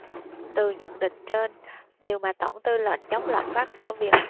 từ nhận định trên điều mà tổng tư lệnh chống lạm phát ở việt